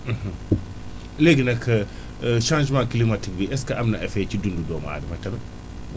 léegi nag changement climatique bi est ce que am na effet si dundu doomu aadama tamit